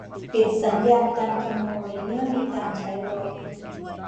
ปิดสัญญาณการขโมยเมื่อมีการใช้รถ